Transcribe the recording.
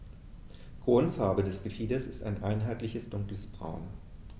Grundfarbe des Gefieders ist ein einheitliches dunkles Braun.